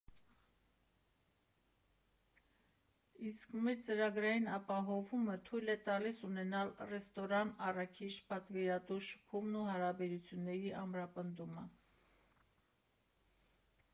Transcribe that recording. Իսկ մեր ծրագրային ապահովումը թույլ է տալիս ունենալ ռեստորան֊առաքիչ֊պատվիրատու շփումն ու հարաբերությունների ամրապնդումը։